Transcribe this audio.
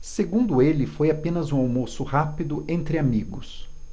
segundo ele foi apenas um almoço rápido entre amigos